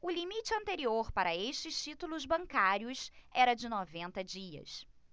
o limite anterior para estes títulos bancários era de noventa dias